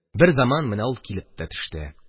Берзаман менә ул килеп тә төште.